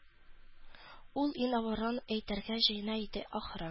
Ул иң авырын әйтергә җыена иде, ахры